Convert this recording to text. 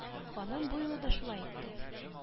Ханым бу юлы да шулай итте